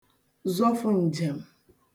zọfụ̀ ǹjèm